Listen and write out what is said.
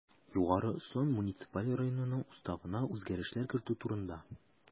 Югары Ослан муниципаль районынның Уставына үзгәрешләр кертү турында